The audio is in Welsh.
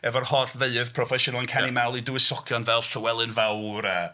Efo'r holl feirdd proffesiynol yn canu... ia. ...mawl i dywysogion fel Llywelyn Fawr a...